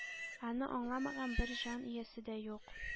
Аны аңламаган бер җан иясе дә юк.